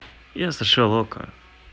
я сошел okko